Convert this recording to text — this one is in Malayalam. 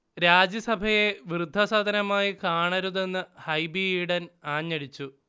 രാജ്യസഭയെ വൃദ്ധസദനമായി കാണരുതെന്ന് ഹൈബി ഈഡൻ ആഞ്ഞടിച്ചു